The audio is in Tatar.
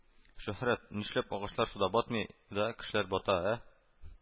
– шөһрәт, нишләп агачлар суда батмый да, кешеләр бата, ә